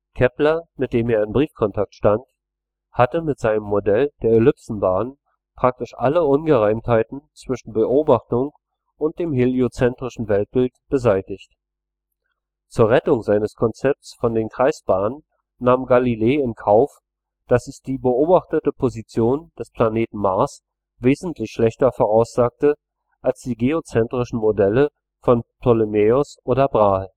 Kepler, mit dem er in Briefkontakt stand, hatte mit seinem Modell der Ellipsenbahnen praktisch alle Ungereimtheiten zwischen Beobachtung und dem heliozentrischen Weltbild beseitigt. Zur Rettung seines Konzepts der Kreisbahnen nahm Galilei in Kauf, dass es die beobachtete Position des Planeten Mars wesentlich schlechter voraussagte als die geozentrischen Modelle von Ptolemaios oder Brahe